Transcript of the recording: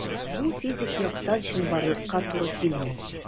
Бу физик яктан чынбарлыкка туры килми.